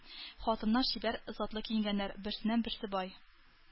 Хатыннар чибәр, затлы киенгәннәр, берсеннән-берсе бай.